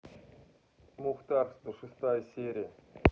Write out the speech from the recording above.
мухтар сто шестая серия